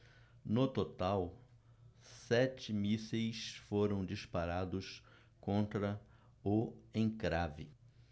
no total sete mísseis foram disparados contra o encrave